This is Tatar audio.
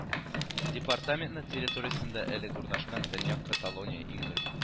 Департаменты территориясендә элек урнашкан төньяк каталония ингл